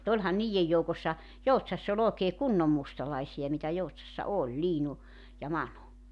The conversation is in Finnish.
mutta olihan niiden joukossa Joutsassa oli oikein kunnon mustalaisia mitä Joutsassa oli Liinu ja Manu